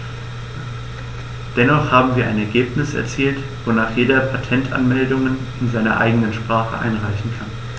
Dennoch haben wir ein Ergebnis erzielt, wonach jeder Patentanmeldungen in seiner eigenen Sprache einreichen kann.